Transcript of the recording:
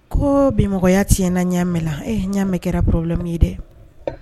Ko bimɔgɔya ti na ɲa mɛn la ɲa mɛn kɛraorolami dɛ